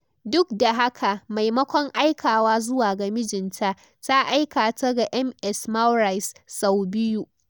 Duk da haka, maimakon aikawa zuwa ga mijinta, ta aika ta ga Ms. Maurice, sau biyu.